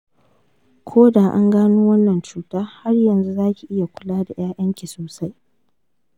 ko da an gano wannan cuta, har yanzu za ki iya kula da ‘ya’yanki sosai.